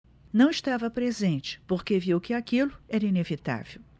não estava presente porque viu que aquilo era inevitável